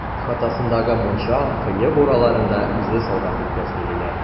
Ихатасындагы мунча, кое бураларын да үзе салган, дип тә сөйлиләр.